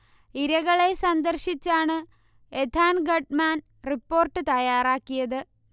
ഇരകളെ സന്ദർശിച്ചാണ് Ethan Gutmann report തയാറാക്കിയത്